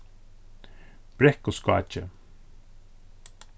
brekkuskákið